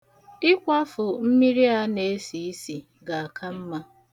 Ịkwafu mmiri a na-esi isi ga-aka mma.